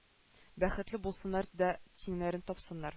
Бәхетле булсыннар да тиңнәрен тапсыннар